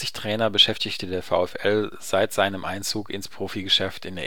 Trainer beschäftigte der VfL seit seinem Einzug ins Profigeschäft in